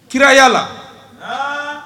Kirayala, haann.